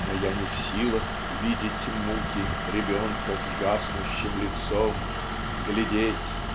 Но я не в силах видеть муки Ребенка с гаснущим лицом Глядеть